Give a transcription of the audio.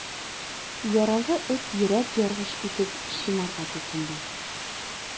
Яралы эт йөрәк яргыч итеп чинарга тотынды.